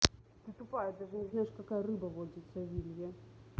ты тупая даже не знаешь какая рыба водится в вильве